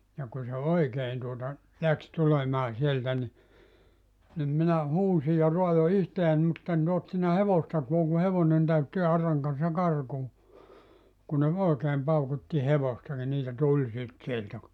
ja kun se oikein tuota lähti tulemaan sieltä niin niin minä huusin ja raadoin itseäni mutta en tuonut sinne hevostakaan kun hevonen täytti auran kanssa karkuun kun ne oikein paukutti hevosta niin niitä tuli sitten sieltä kun